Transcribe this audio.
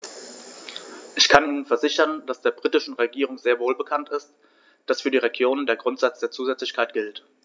Ich kann Ihnen versichern, dass der britischen Regierung sehr wohl bekannt ist, dass für die Regionen der Grundsatz der Zusätzlichkeit gilt.